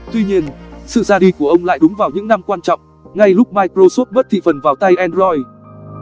tuy nhiên sự ra đi của ông lại đúng vào những năm quan trọng ngay lúc microsoft mất thị phần vào tay android